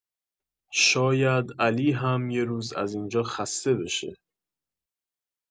شاید علی هم یه روز از اینجا خسته بشه.